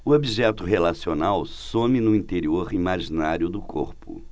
o objeto relacional some no interior imaginário do corpo